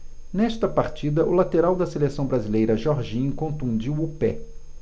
nesta partida o lateral da seleção brasileira jorginho contundiu o pé